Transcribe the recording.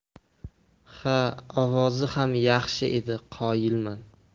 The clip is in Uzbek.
ha ovozi ham yaxshi edi qoyilman